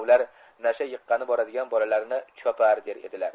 ular nasha yiqqani boradigan bolalarni chopar der edilar